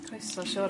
Croeso siŵr.